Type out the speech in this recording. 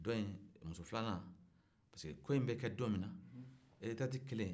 dɔn in muso filanan ko in bɛ kɛ don min eretɛreti kɛlen